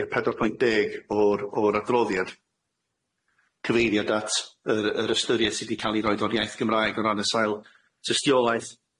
ie pedwar pwynt deg o'r o'r adroddiad cyfeiriad at yr yr ystyriaeth sydd di ca'l ei roid o'r iaith Gymraeg o ran y sail tystiolaeth.